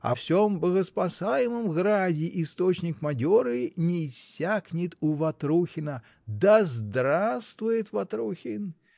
А в сем богоспасаемом граде источник мадеры не иссякнет у Ватрухина! Да здравствует Ватрухин!